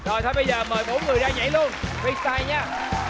rồi thôi bây giờ mời bốn người ra nhảy lun phi sai nhé